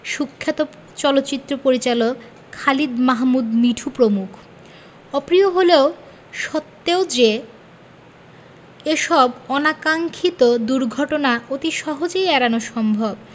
সুখ্যাত চলচ্চিত্র পরিচালক খালিদ মাহমুদ মিঠু প্রমুখ অপ্রিয় হলেও সত্ত্বেও যে এসব অনাকাংখিত ঘটনা অতি সহজেই এড়ানো সম্ভব